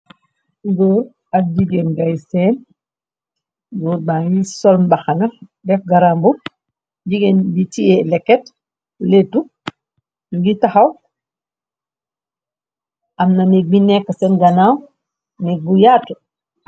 Góor ak jigéen ngay seen góor bangi sol baxana def garambubu jigeen bi tiye leket leetu mogi taxaw amna neeg bi nekka seen ganaaw neeg bu yaatu.